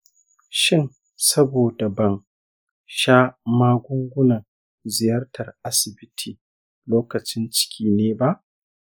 shin saboda ban sha magungunan ziyartar asibiti lokacin ciki ne ba ?